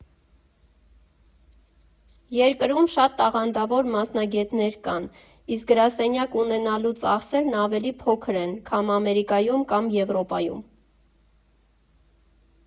Երկրում շատ տաղանդավոր մասնագետներ կան, իսկ գրասենյակ ունենալու ծախսերն ավելի փոքր են, քան Ամերիկայում կամ Եվրոպայում։